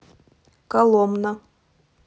коломна